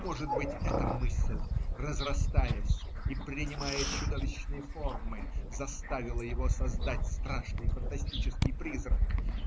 может быть, эта мысль, разрастаясь и принимая чудовищные формы, заставила его создать страшный фантастический призрак.